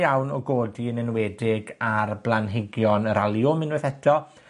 iawn o godi, yn enwedig, ar blanhigion yr aliwm, unwaith eto.